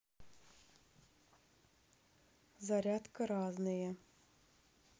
зарядка разные